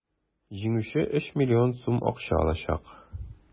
Җиңүче 3 млн сум алачак.